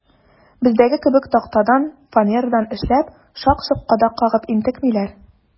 Бездәге кебек тактадан, фанерадан эшләп, шак-шок кадак кагып интекмиләр.